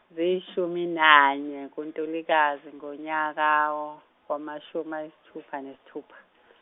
ziyishumi nanye kuNtulikazi ngonyaka o- wamashumi ayisithupha nesithupha.